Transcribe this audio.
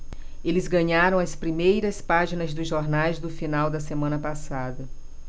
eles ganharam as primeiras páginas dos jornais do final da semana passada